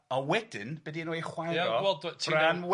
A wedyn, be di enw ei chwaer o - Bran-wen.